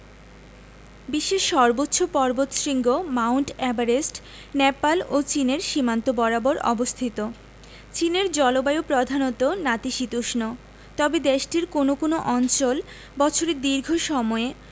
বিশ্বের সর্বোচ্চ পর্বতশৃঙ্গ মাউন্ট এভারেস্ট নেপাল ও চীনের সীমান্ত বরাবর অবস্থিত চীনের জলবায়ু প্রধানত নাতিশীতোষ্ণ তবে দেশটির কোনো কোনো অঞ্চল বছরের দীর্ঘ সময়